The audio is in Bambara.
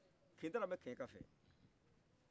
kindra bɛ kinka fɛ